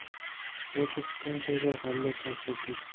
yoki stansiyaga g'alla tashirdik